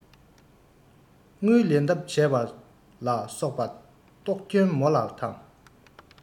དངུལ ལེན ཐབས བྱས པ ལ སོགས པ རྟོག རྐྱེན མོ ལ དང